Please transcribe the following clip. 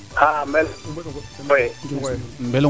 xa'a Mbelongutt NGonye